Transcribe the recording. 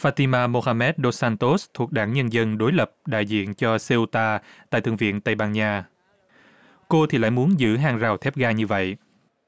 pha ti ma mô ham mép đô xan tốt thuộc đảng nhân dân đối lập đại diện cho sê u ta tại thượng viện tây ban nha cô thì lại muốn giữ hàng rào thép gai như vậy